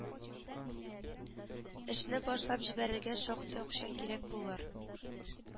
Эшне башлап җибәрергә шактый акча кирәк булыр